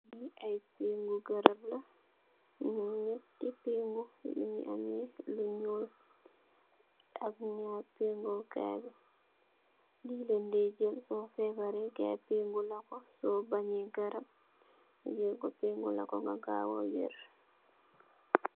Li ay pègu garala, nëti pèngu nu ngi ameh lu ñuul ak naari pèngokaay. Li leen deh jël so fèbarè gaye pèngu la ko so baney garap. Nu jël ko pèngu la ko ga gawa werr.